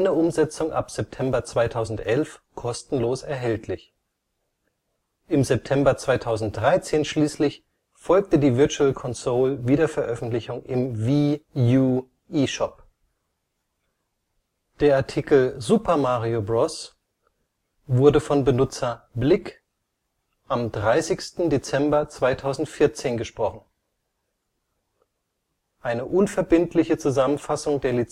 Umsetzung ab September 2011 kostenlos erhältlich. Im September 2013 schließlich folgte die Virtual-Console-Wiederveröffentlichung im Wii-U-eShop